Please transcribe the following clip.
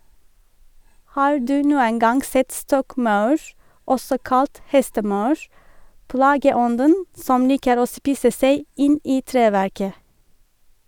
Har du noen gang sett stokkmaur, også kalt hestemaur, plageånden som liker å spise seg inn i treverket?